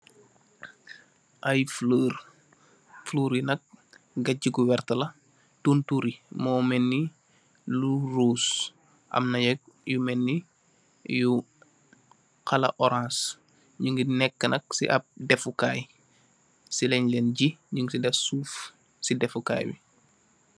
Ay flor, flor yi nak gach gu vert la. Tontorr yi mo mèlni lo rush amna yit yu mèlni yu hawa orance nungi nekk nak ci ab deffukaay ci leen len gi nung def suuf ci deffukaay.